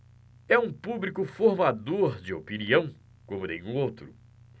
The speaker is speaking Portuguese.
é um público formador de opinião como nenhum outro